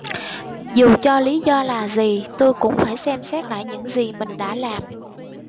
dù cho lý do là gì tôi cũng phải xem xét lại những gì mình đã làm